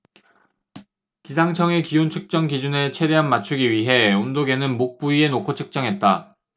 기상청의 기온 측정 기준에 최대한 맞추기 위해 온도계는 목 부위에 놓고 측정했다